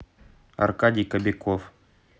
аркадий кобяков